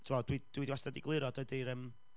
ti'n gwbod dwi, dwi wastad 'di egluro dydy'r yym...